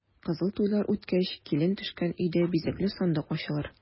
Кызыл туйлар үткәч, килен төшкән өйдә бизәкле сандык ачылыр.